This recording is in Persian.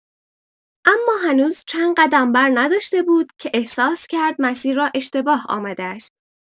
اما هنوز چند قدم برنداشته بود که احساس کرد مسیر را اشتباه آمده است.